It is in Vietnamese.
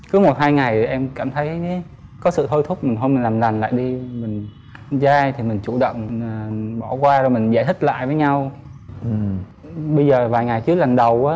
cứ một hai ngày em cảm thấy có sự thôi thúc thôi mình làm lành lại đi mình con trai thì mình chủ động bỏ qua rồi mình giải thích lại với nhau ừ bây giờ vài ngày trước lần đầu